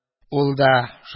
Ул да: